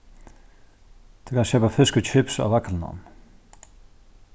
tú kanst keypa fisk og kips á vaglinum